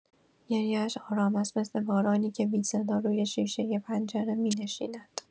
گریه‌اش آرام است، مثل بارانی که بی‌صدا روی شیشۀ پنجره می‌نشیند.